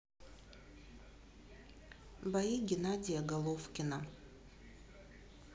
бои геннадия головкина